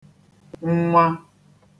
-nnwa